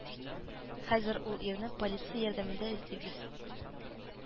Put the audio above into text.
Хәзер ул ирне полиция ярдәмендә эзлибез